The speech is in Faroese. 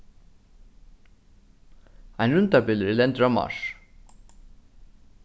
ein rúmdarbilur er lendur á mars